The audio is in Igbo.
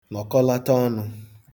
nọkọ̀lata ọnụ̄